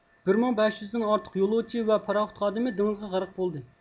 بىر مىڭ بەش يۈزدىن ئارتۇق يولۇچى ۋە پاراخوت خادىمى دېڭىزغا غەرق بولدى